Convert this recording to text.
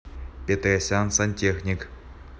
петросян сантехник